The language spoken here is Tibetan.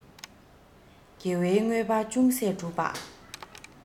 དགེ བའི དངོས པོ ཅུང ཟད སྒྲུབ པ